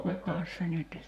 kukas se nyt